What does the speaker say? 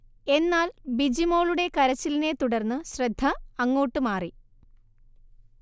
എന്നാൽ ബിജി മോളുടെ കരച്ചിലിനെ തുടർന്ന് ശ്രദ്ധ അങ്ങോട്ട് മാറി